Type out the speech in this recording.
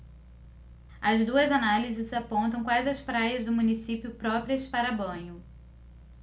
as duas análises apontam quais as praias do município próprias para banho